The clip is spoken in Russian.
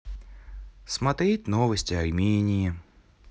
смотреть новости армении